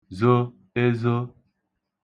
zo ezo